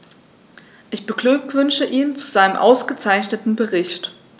Ich beglückwünsche ihn zu seinem ausgezeichneten Bericht.